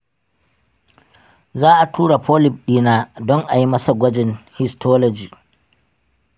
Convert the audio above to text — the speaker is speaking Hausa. za a tura polyp ɗina don a yi masa gwajin histology.